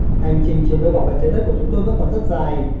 hành trình chiến đấu bảo vệ trái đất của chúng tôi vẫn còn rất dài